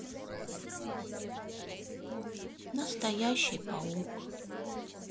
настоящий паук